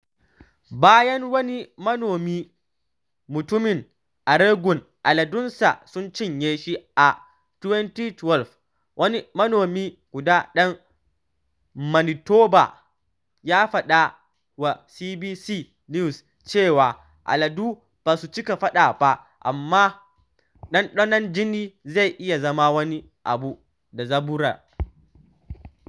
Bayan wani manomi mutumin Oregun aladunsa sun cinye shi a 2012, wani manomi guda ɗan Manitoba ya faɗa wa CBC News cewa aladu ba su cika faɗa ba amma dandanon jini zai iya zama wani “abu da zaburar.”